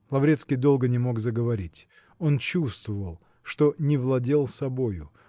Лаврецкий долго не мог заговорить: он чувствовал, что не владел собою